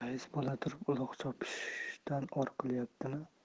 rais bo'la turib uloq chopishimdan or qilyaptimi